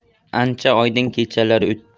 ancha oydin kechalar o'tdi